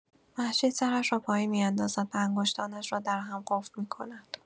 مهشید سرش را پایین می‌اندازد و انگشتانش را در هم قفل می‌کند.